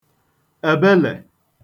èbelè